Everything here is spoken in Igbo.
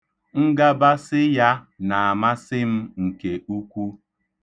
Ngabasị ya na-amasị m nke ukwu.